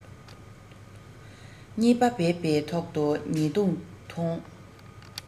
གཉིས པ བེས པའི ཐོག ཏུ ཉེས རྡུང ཐོང